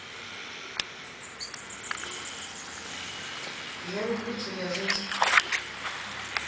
я люблю тебя жить